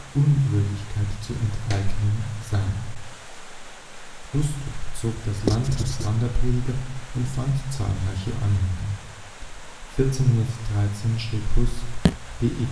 Unwürdigkeit zu enteignen sei. Hus durchzog das Land als Wanderprediger und fand zahlreiche Anhänger. 1413 schrieb Hus De Ecclesia